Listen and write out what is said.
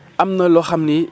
am na loo xam ni